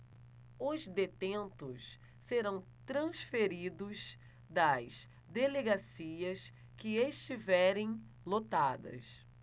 os detentos serão transferidos das delegacias que estiverem lotadas